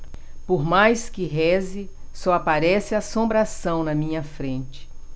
por mais que reze só aparece assombração na minha frente